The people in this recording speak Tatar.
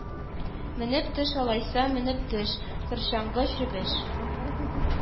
Менеп төш алайса, менеп төш, корчаңгы чебеш